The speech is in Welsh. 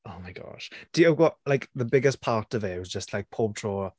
Oh my gosh. Do you know what like the biggest part of it was just like pob tro...